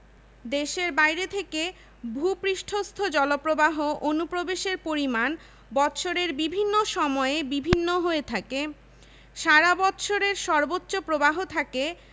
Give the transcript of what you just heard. দেশের বাইরে থেকে ভূ পৃষ্ঠস্থ জলপ্রবাহ অনুপ্রবেশের পরিমাণ বৎসরের বিভিন্ন সময়ে বিভিন্ন হয়ে থাকে সারা বৎসরের সর্বোচ্চ প্রবাহ থাকে